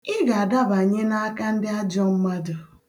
Ị ga-adabanye n'aka ndị ajọọ mmadụ.